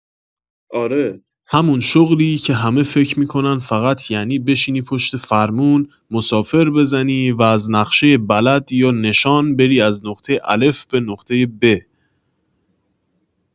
آره، همون شغلی که همه فکر می‌کنن فقط یعنی بشینی پشت فرمون، مسافر بزنی و از نقشۀ بلد یا نشان بری از نقطۀ الف به نقطۀ ب.